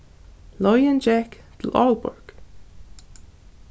leiðin gekk til aalborg